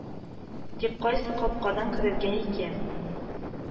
Тик кайсы капкадан керергә икән